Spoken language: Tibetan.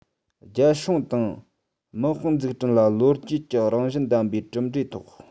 རྒྱལ སྲུང དང དམག དཔུང འཛུགས སྐྲུན ལ ལོ རྒྱུས ཀྱི རང བཞིན ལྡན པའི གྲུབ འབྲས ཐོབ